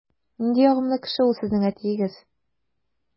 Нинди ягымлы кеше ул сезнең әтиегез!